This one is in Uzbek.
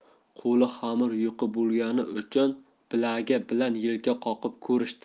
qo'li xamir yuqi bo'lgani uchun bilagi bilan yelka qoqib ko'rishdi